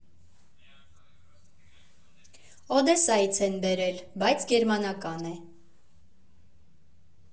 Օդեսայից են բերել, բայց գերմանական է։